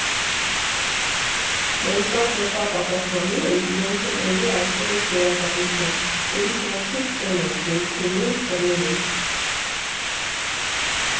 Մենք շատ վստահ պատասխանում ենք, իրանք էլ էլի ասում են շնորհակալություն, ուրիշ ոչինչ չեն ասում ու մենք թռնում ենք։